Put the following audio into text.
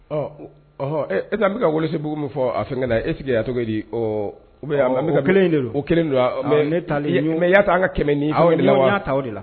Ɔ ɔhɔn e e o tɔ la an bɛ Welesebugu min fɔ a fɛngɛ la est-ce que a cogo ye di ɔɔ ou bien an bɛ ka min. O kelen in de don. O kelen de don a a. Mais ne talen n y'o. Mais i y'a ta an ka kɛmɛ ni fɛngɛ de la wa? Awɔ n y'a ta o de la.